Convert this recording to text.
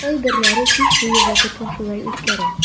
Кайберләре кич буе вакытын шулай үткәрә.